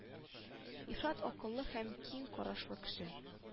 Ифрат акыллы һәм киң карашлы кеше